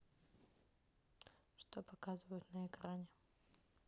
что показывают на экране